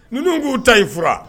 Ninnu k'u ta i fura